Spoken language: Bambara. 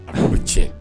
A' cɛ